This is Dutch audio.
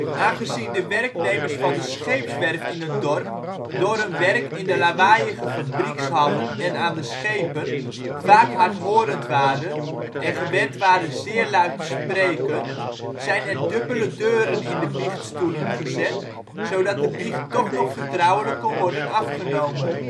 Aangezien de werknemers van de scheepswerf in het dorp door hun werk in de lawaaiïge fabriekshallen en aan de schepen vaak hardhorend waren en gewend waren zeer luid te spreken, zijn er dubbele deuren in de biechtstoelen gezet, zodat de biecht toch nog vertrouwelijk kon worden afgenomen